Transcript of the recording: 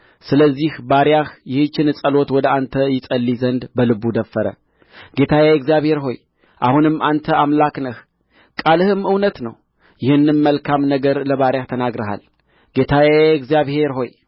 ስለዚህ ባሪያህ ይህችን ጸሎት ወደ አንተ ይጸልይ ዘንድ በልቡ ደፈረ ጌታዬ እግዚአብሔር ሆይ አሁንም አንተ አምላክ ነህ ቃልህም እውነት ነው ይህንም መልካም ነገር ለባሪያህ ተናግረሃል ጌታዬ እግዚአብሔር ሆይ